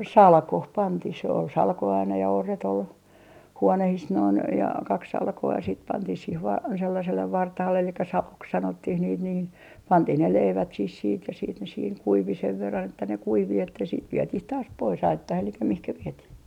salkoon pantiin se oli salko aina ja orret oli huoneissa noin ja kaksi salkoa sitten pantiin siihen vain sellaiselle vartaalle eli saloksi sanottiin niitä niin pantiin ne leivät siihen sitten ja sitten ne siinä kuivui sen verran että ne kuivui että sitten vietiin taas pois aittaan eli mihin vietiin